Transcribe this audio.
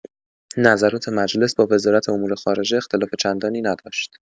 نظرات مجلس با وزارت امور خارجه اختلاف چندانی نداشت.